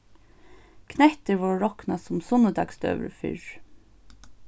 knettir vórðu roknað sum sunnudagsdøgurði fyrr